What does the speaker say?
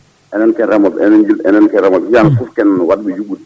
enen ken remoɓe enen joni enen ken remoɓe hitande foof ken wadɓe juɓɓudi